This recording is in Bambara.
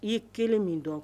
I ye kelen min dɔn